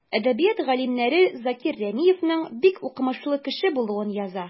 Әдәбият галимнәре Закир Рәмиевнең бик укымышлы кеше булуын яза.